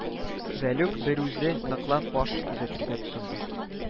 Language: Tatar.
Вәлүк берүзе ныклап баш төзәтергә тотынды